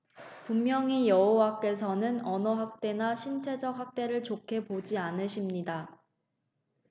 분명히 여호와께서는 언어 학대나 신체적 학대를 좋게 보지 않으십니다